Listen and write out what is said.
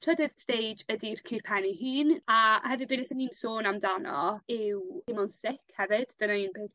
Trydydd stage ydi'r cur pen 'i hun a hefyd be' nethon ni'm sôn amdano yw timlo'n sic hefyd dyna un peth